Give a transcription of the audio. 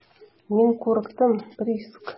Мин курыктым, Приск.